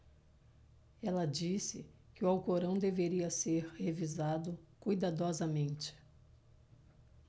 ela disse que o alcorão deveria ser revisado cuidadosamente